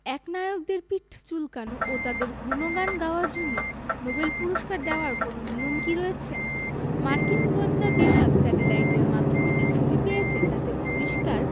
একনায়কদের পিঠ চুলকানো ও তাঁদের গুণগান গাওয়ার জন্য নোবেল পুরস্কার দেওয়ার কোনো নিয়ম কি রয়েছে মার্কিন গোয়েন্দা বিভাগ স্যাটেলাইটের মাধ্যমে যে ছবি পেয়েছে তাতে পরিষ্কার